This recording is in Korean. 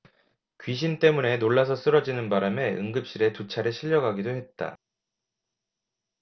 귀신 때문에 놀라서 쓰러지는 바람에 응급실에 두 차례 실려가기도 했다